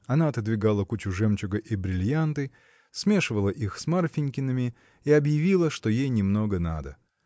Она отодвигала кучу жемчуга и брильянты, смешивала их с Марфинькиным и объявила, что ей немного надо.